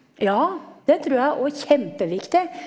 ja, det trur jeg og kjempeviktig.